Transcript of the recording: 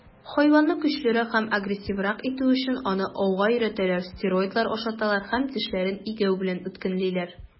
Хайванны көчлерәк һәм агрессиврак итү өчен, аны ауга өйрәтәләр, стероидлар ашаталар һәм тешләрен игәү белән үткенлиләр.